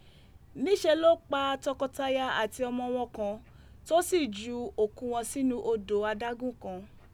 Nise lo pa tọkọtaya ati ọmọ wọn kan, to si ju oku wọn sinu odò adágún kan.